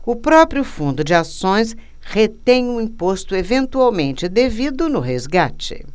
o próprio fundo de ações retém o imposto eventualmente devido no resgate